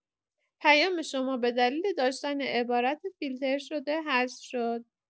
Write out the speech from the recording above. پیام شما به دلیل داشتن عبارت فیلتر شده حذف شد!